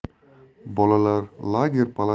bolalar lager palatkalarida